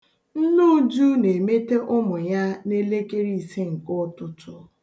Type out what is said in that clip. Nne Uju na-emete ụmụ ya n'elekere ise nke ụtụtụ.